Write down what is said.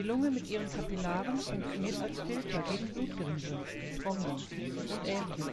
Lunge mit ihren Kapillaren funktioniert als Filter gegen Blutgerinnsel (Thromben) u. ä.,